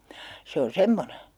se on semmoinen